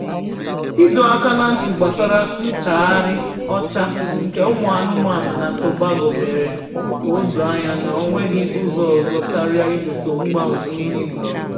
Ịdọ aka na ntị gbasara nchaghari ọcha nke ụmụanụmanụ na Tobago mere ka o doo anya na onweghị ụzọ ọzọ karịa ịlụso mgbanwe ihuigwe ọgụ.